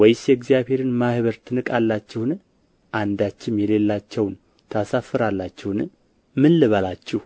ወይስ የእግዚአብሔርን ማኅበር ትንቃላችሁን አንዳችም የሌላቸውን ታሳፍራላችሁን ምን ልበላችሁ